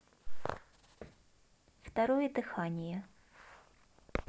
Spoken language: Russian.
второе дыхание